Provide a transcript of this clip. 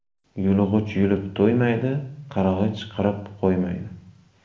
yulg'ich yulib to'ymaydi qirg'ich qirib qo'ymaydi